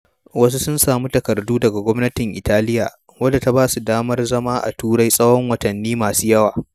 Wasu sun samu takardu daga Gwamnatin Italia, wadda ta ba su damar zama a Turai tsawon watanni masu yawa.